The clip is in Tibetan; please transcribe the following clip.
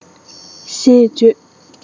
ཞེས བརྗོད